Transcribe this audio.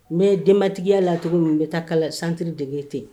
Mɛ denbatigiya lacogo min bɛ taa kala sanridege ten yen